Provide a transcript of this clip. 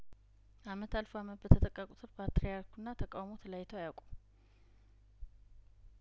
አመት አልፎ አመት በተተካ ቁጥር ፓትርያርኩና ተቃውሞ ተለያይተው አያውቁም